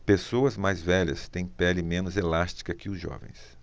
pessoas mais velhas têm pele menos elástica que os jovens